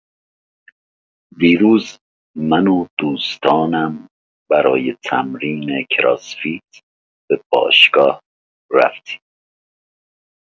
دیروز من و دوستانم برای تمرین کراس‌فیت به باشگاه رفتیم.